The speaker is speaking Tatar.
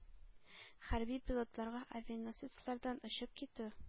Хәрби пилотларга авианосецлардан очып китү-